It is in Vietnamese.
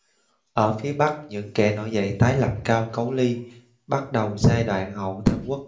ở phía bắc những kẻ nổi dậy tái lập cao cấu ly bắt đầu giai đoạn hậu tam quốc